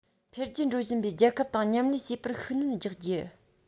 འཕེལ རྒྱས འགྲོ བཞིན པའི རྒྱལ ཁབ དང མཉམ ལས བྱེད པར ཤུགས སྣོན རྒྱག རྒྱུ